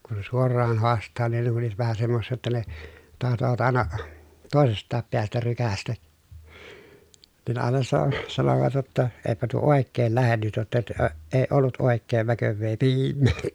kun sen suoraan haastaa niin ne kun olivat vähän semmoisia jotta ne tahtovat aina toisestakin päästä rykäistä niin ne aina - sanoivat jotta eipä tuo oikein lähde nyt jotta -- ei ollut oikein väkevää piimääkään